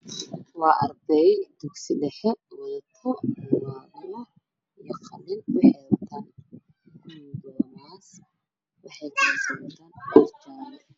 Waa arday dugsi dhexe waa bogaad ee qalin ayaa wataan